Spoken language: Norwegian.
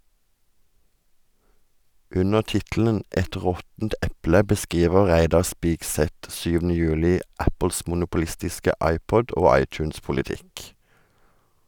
Under tittelen "Et råttent eple" beskriver Reidar Spigseth 7. juli Apples monopolistiske iPod- og iTunes-politikk.